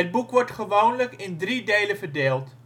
boek wordt gewoonlijk in drie delen verdeeld